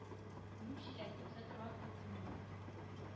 Мүк җиләге үсә торган ул күл